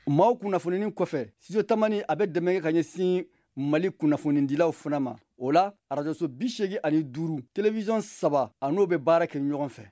maaw kunnafoni kɔfɛ studio tamani a bɛ dɛmɛ ka ɲɛsin mali kunnafonidilaw fana ma o la arajo bisegin ni duuru telewisiyɔn saba olu bɛ baara kɛ ɲɔgɔn fɛ